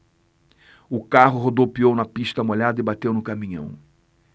o carro rodopiou na pista molhada e bateu no caminhão